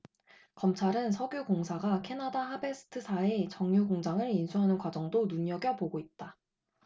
검찰은 석유공사가 캐나다 하베스트사의 정유공장을 인수하는 과정도 눈여겨보고 있다